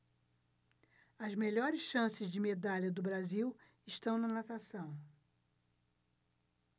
as melhores chances de medalha do brasil estão na natação